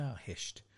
O, hisht.